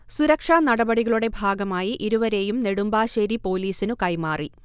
സുരക്ഷാ നടപടികളുടെ ഭാഗമായി ഇരുവരെയും നെടുമ്പാശേരി പോലീസിനു കൈമാറി